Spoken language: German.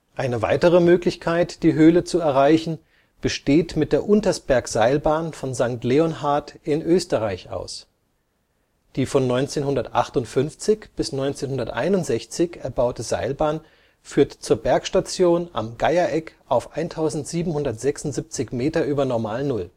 Eine weitere Möglichkeit, die Höhle zu erreichen, besteht mit der Untersbergseilbahn von St. Leonhard in Österreich aus. Die von 1958 bis 1961 erbaute Seilbahn führt zur Bergstation am Geiereck auf 1776 Meter über Normalnull